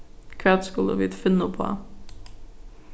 hvat skulu vit finna uppá